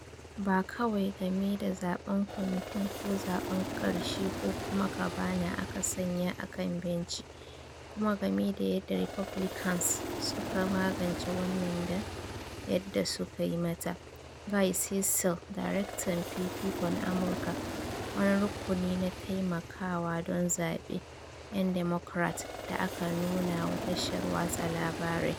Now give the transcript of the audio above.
"Ba kawai game da zaben kwamitin ko zaben karshe ko kuma Kavanaugh aka sanya a kan benci, kuma game da yadda Republicans suka magance wannan da yadda suka yi mata," Guy Cecil, darektan Fifikon Amurka, wani rukuni na taimakawa don zabe 'yan Democrat, da aka nuna wa tashar watsa labarai.